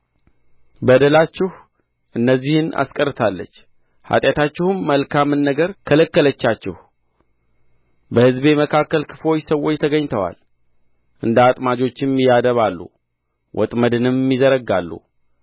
በደላችሁ እነዚህን አስቀርታለች ኃጢአታችሁም መልካምን ነገር ከለከለቻችሁ በሕዝቤ መካከል ክፉዎች ሰዎች ተገኝተዋል እንደ አጥማጆችም ያደባሉ ወጥመድንም ይዘረጋሉ